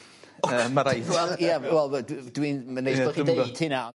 Yym ma' raid. Wel ia wel fe- wel d- dwi'n... Ma neis bo' chi deud hynna on'...